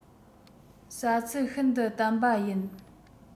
ཟ ཚུལ ཤིན ཏུ དམ པ ཡིན